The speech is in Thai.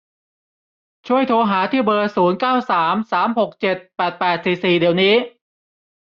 ช่วยโทรหาที่เบอร์ศูนย์เก้าสามสามหกเจ็ดแปดแปดสี่สี่เดี๋ยวนี้